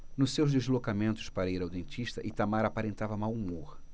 nos seus deslocamentos para ir ao dentista itamar aparentava mau humor